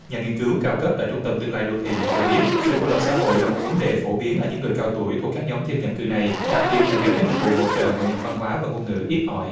nhà nghiên cứu cao cấp tại trung tâm tương lai đô thị cho biết sự cô lập xã hội là một vấn đề phổ biến ở những người cao tuổi thuộc các nhóm dân nhập cư này đặc biệt là nếu các dịch vụ hỗ trợ hội nhập văn hóa và ngôn ngữ ít ỏi